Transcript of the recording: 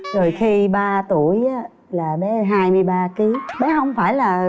rồi khi ba tuổi á là bé hai mươi ba kí bé hông phải là